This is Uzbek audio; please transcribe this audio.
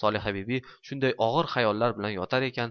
solihabibi shunday og'ir xayollar bilan yotar ekan